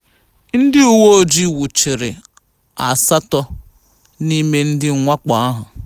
Ndị uwe ojii nwụchiri asatọ n'ime ndị mwakpo ahụ.